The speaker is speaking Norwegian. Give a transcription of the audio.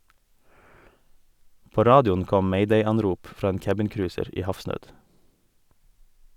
På radioen kom mayday-anrop fra en cabincruiser i havsnød.